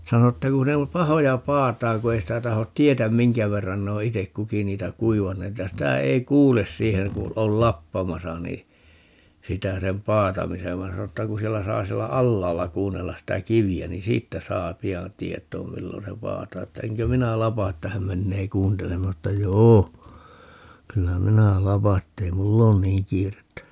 sano että kun ne on pahoja paatamaan kun ei sitä tahdo tietää minkä verran ne on itse kukin niitä kuivanneet ja sitä ei kuule siihen kun on lappamassa niin sitä sen paatamisen vaan sanoi että kun siellä saa siellä alhaalla kuunnella sitä kiveä niin siitä saa pian tietoon milloin se paataa että enkö minä lapa että hän menee kuuntelemaan minä sanoin että joo kyllä minä lapan että ei minulla ole niin kiirettä